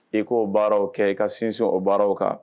I k'o baaraw kɛ i ka sinsin o baaraw kan